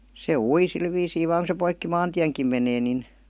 se ui sillä viisiin vain kun se poikki maantienkin menee niin